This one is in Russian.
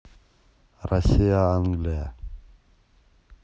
россия англия